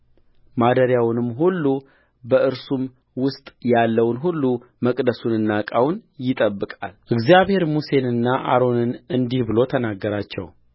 ማደሪያውን ሁሉ በእርሱም ውስጥ ያለውን ሁሉ መቅደሱንና ዕቃውን ይጠብቃልእግዚአብሔር ሙሴንና አሮንን እንዲህ ብሎ ተናገራቸው